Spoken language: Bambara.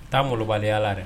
Taa malobaliya la dɛ